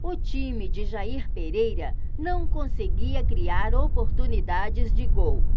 o time de jair pereira não conseguia criar oportunidades de gol